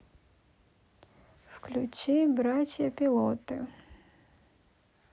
включи братья пилоты